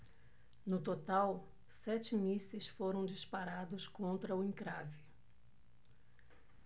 no total sete mísseis foram disparados contra o encrave